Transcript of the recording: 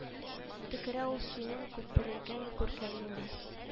Төкерә ул синең күпергән күркәлегеңә